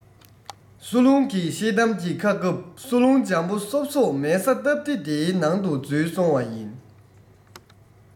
གསོ རླུང གི ཤེལ དམ གྱི ཁ བཀབ གསོ རླུང འཇམ པོ སོབ སོབ མལ ས སྟབས བདེ དེའི ནང དུ འཛུལ སོང བ ཡིན